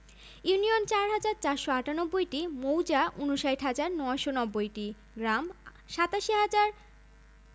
পশ্চিমে ভারতের পশ্চিমবঙ্গ উত্তরে ভারতীয় রাজ্য পশ্চিমবঙ্গ আসাম ও মেঘালয় পূর্বে ভারতের আসাম ত্রিপুরা ও মিজোরাম এবং সেই সঙ্গে মায়ানমার এবং দক্ষিণে বঙ্গোপসাগর